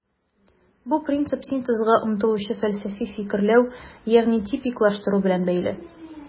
Бу принцип синтезга омтылучы фәлсәфи фикерләү, ягъни типиклаштыру белән бәйле.